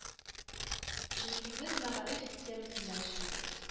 Чөнки без мәгариф системасында эшлибез